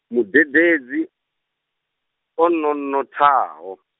mudededzi, o no nothaho.